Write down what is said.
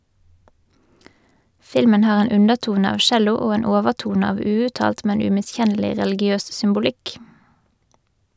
Filmen har en undertone av cello og en overtone av uuttalt, men umiskjennelig religiøs symbolikk.